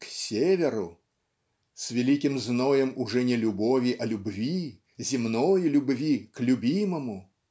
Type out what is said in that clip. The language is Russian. к северу с великим зноем уже не любови а любви земной любви к любимому